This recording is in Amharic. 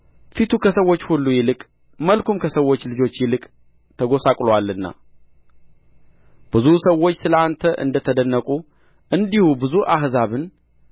ፊቱ ከሰዎች ሁሉ ይልቅ መልኩም ከሰዎች ልጆች ይልቅ ተጐሳቍሎአልና ብዙ ሰዎች ስለ አንተ እንደ ተደነቁ እንዲሁ ብዙ አሕዛብን